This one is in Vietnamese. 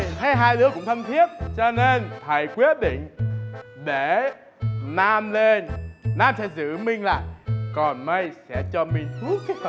thấy hai đứa cũng thân thiết cho nên thầy quyết định để nam lên nát thêm chữ minh vào còn mây sẽ cho mình húp cái phần